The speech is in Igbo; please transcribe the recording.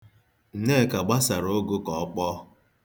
Nneka gbasara ụgụ ka o kpọọ.